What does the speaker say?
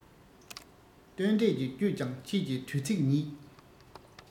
སྟོན འབྲས ཀྱི བཅུད ཀྱང ཁྱེད ཀྱི དུས ཚིགས ཉིད